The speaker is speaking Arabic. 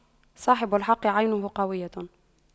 صاحب الحق عينه قوية